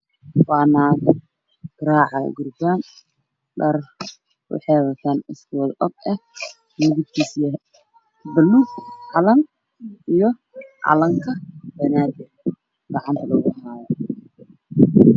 Waxaa ii moodaa maamooyin wataan calan soomaaliya cudud durbaan tumayo